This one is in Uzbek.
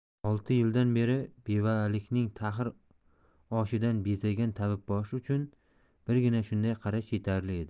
olti yildan beri bevalikning taxir oshidan bezgan tabibboshi uchun birgina shunday qarash yetarli edi